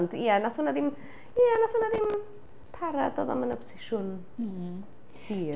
Ond ia, wnaeth hwnna ddim, ia, wnaeth hwnna ddim para. Doedd o'm yn obsesiwn hir.